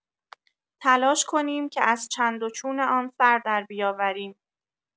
تلاش کنیم که از چند و چون آن سر دربیاوریم.